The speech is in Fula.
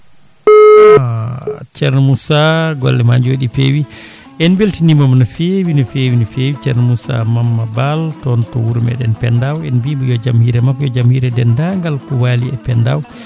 aah ceerno Moussa gollema jooɗi peewi en beltinimomo no fewi no fewi no fewi ceerno Moussa Mamma Baal toon to wuuru meɗen Pendaw en mbimo yo jaam hiire mabɓe yo jaam hiire e dendagal ko waali e Pendaw